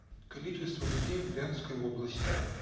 количество людей в брянской области